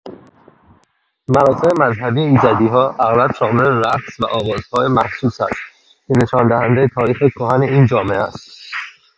مراسم مذهبی ایزدی‌ها اغلب شامل رقص و آوازهای مخصوص است که نشان‌دهنده تاریخ کهن این جامعه است.